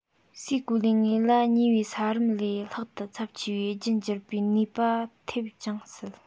སའི གོ ལའི ངོས ལ ཉེ བའི ས རིམ ལས ལྷག ཏུ ཚབ ཆེ བའི རྒྱུ འགྱུར པའི ནུས པ ཐེབས ཀྱང སྲིད